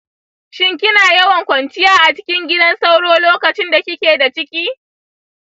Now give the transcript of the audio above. shin kina yawan kwanciya a cikin gidan sauro lokacin da kike da ciki?